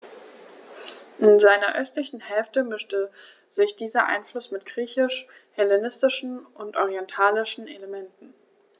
In seiner östlichen Hälfte mischte sich dieser Einfluss mit griechisch-hellenistischen und orientalischen Elementen.